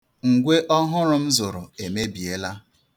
Ngwe ọhụrụ m zụrụ emebiela.